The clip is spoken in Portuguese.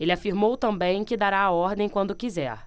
ele afirmou também que dará a ordem quando quiser